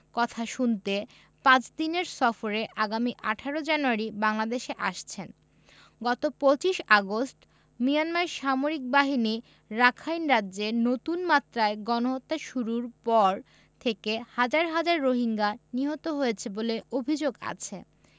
কথা শুনতে পাঁচ দিনের সফরে আগামী ১৮ জানুয়ারি বাংলাদেশে আসছেন গত ২৫ আগস্ট মিয়ানমার সামরিক বাহিনী রাখাইন রাজ্যে নতুন মাত্রায় গণহত্যা শুরুর পর থেকে হাজার হাজার রোহিঙ্গা নিহত হয়েছে বলে অভিযোগ আছে